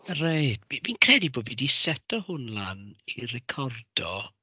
Reit. Fi fi'n credu bod fi 'di seto hwn lan i recordo.